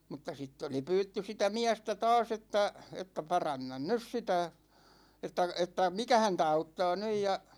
mutta sitten oli pyydetty sitä miestä taas että että paranna nyt sitä että että mikä häntä auttaa nyt ja